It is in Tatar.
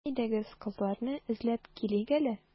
Әйдәгез, кызларны эзләп килик әле.